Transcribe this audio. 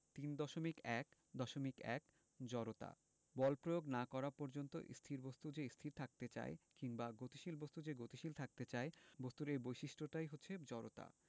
৩.১.১ জড়তা বল প্রয়োগ না করা পর্যন্ত স্থির বস্তু যে স্থির থাকতে চায় কিংবা গতিশীল বস্তু যে গতিশীল থাকতে চায় বস্তুর এই বৈশিষ্ট্যটাই হচ্ছে জড়তা